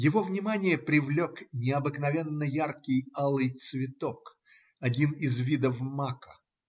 Его внимание привлек необыкновенно яркий алый цветок, один из видов мака.